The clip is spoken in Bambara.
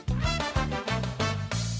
San yo